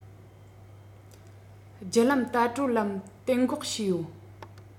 རྒྱུ ལམ ད བགྲོད ལམ གཏན འགོག བྱས ཡོད